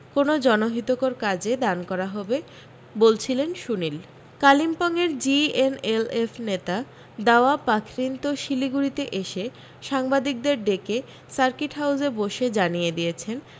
কোনও জনহিতকর কাজে দান করা হবে বলছিলেন সুনীল কালিম্পঙের জিএনএলএফ নেতা দাওয়া পাখরিন তো শিলিগুড়িতে এসে সাংবাদিকদের ডেকে সার্কিট হাউসে বসে জানিয়ে দিয়েছেন